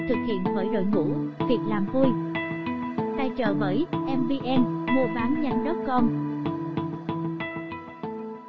thực hiện bởi đội ngũ việc làm vui tài trợ bởi muabannhanh com